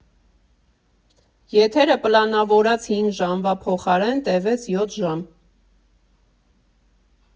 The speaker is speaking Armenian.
Եթերը պլանավորած հինգ ժամվա փոխարեն տևեց յոթ ժամ։